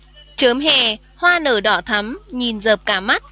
chớm hè hoa nở đỏ thắm nhìn rợp cả mắt